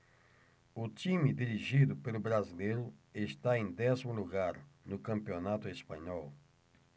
o time dirigido pelo brasileiro está em décimo lugar no campeonato espanhol